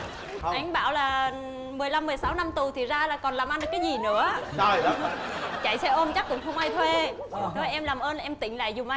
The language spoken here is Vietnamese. anh bảo là mười lăm mười sáu năm tù thì ra là còn làm ăn được cái gì nữa chạy xe ôm chắc cũng không ai thuê em làm ơn em tỉnh lại giùm anh